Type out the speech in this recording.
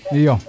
iyo